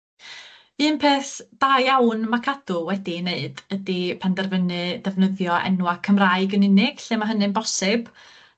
Un peth da iawn ma' Cadw wedi 'i neud ydi penderfynu defnyddio enwa' Cymraeg yn unig, lle ma' hynny'n bosib